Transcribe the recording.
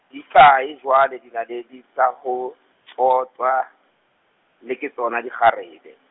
di kae jwale dinaledi tsa ho, tsotwa, le ke tsona dikgarebe.